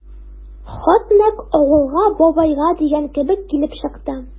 Хат нәкъ «Авылга, бабайга» дигән кебек килеп чыкты.